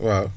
waaw